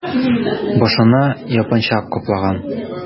Башына япанча каплаган...